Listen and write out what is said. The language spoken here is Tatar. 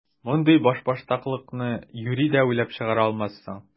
Мондый башбаштаклыкны юри дә уйлап чыгара алмассың!